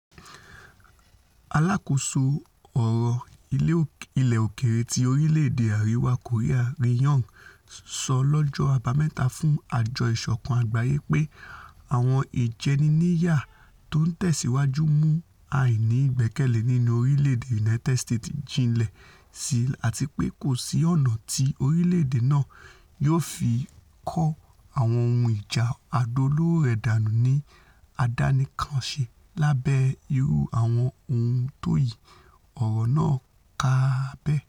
Aláàkóso ọ̀rọ̀ ilẹ̀ òkèèrè ti orílẹ̀-èdè Àrìwá Kòríà Ri Yong sọ lọ́jọ́ Àbámẹ̵́ta fún Àjọ Ìṣọ̀kan Àgbáyé pé àwọn ìjẹniníyà tó ńtẹ̵̀síwájú ńmú àìní-ìgbẹkẹ̀lé nínú orílẹ̀-èdè United States jinlẹ̀ síi àtipé kòsí ọ̀nà tí orílẹ̀-èdè náà yóò fi kó àwọn ohun ìjà àdó olóro rẹ̀ dánù ní àdánìkànṣe lábẹ́ irú àwọn ohun tóyí ọ̀rọ̀ náà ká bẹ́ẹ̀.